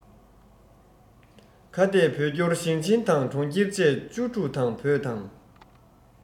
ཁ གཏད བོད སྐྱོར ཞིང ཆེན དང གྲོང ཁྱེར བཅས བཅུ དྲུག དང བོད དང